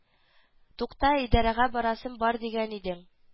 Тукта идарәгә барасым бар дигән идең